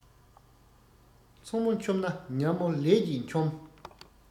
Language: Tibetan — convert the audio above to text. མཚོ མོ འཁྱོམས ན ཉ མོ ལས ཀྱིས འཁྱོམ